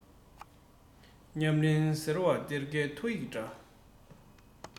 ཉམས ལེན ཟེར བ གཏེར ཁའི ཐོ ཡིག འདྲ